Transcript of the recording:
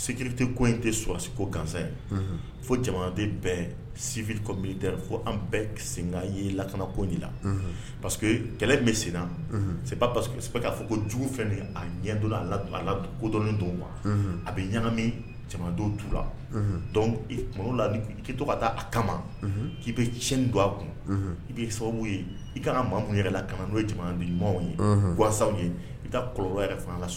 K'a fɔ ko a don a a kodɔn don a bɛ ɲaga tu la la k'i to ka da a kama k'i bɛ cɛnɲɛn don a kun i bɛ sababu ye i kamu yɛrɛ la ka n'o ye ni ɲumanw ye ganw ye i bɛ taa kɔrɔ wɛrɛ